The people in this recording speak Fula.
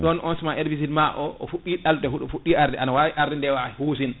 ɗon on suman herbicide ma o fugqi dal huɗo o fuɗɗi arde ana wawi arde ndeewa huusini